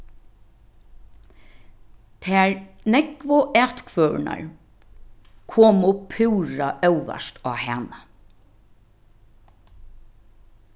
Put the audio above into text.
tær nógvu atkvøðurnar komu púra óvart á hana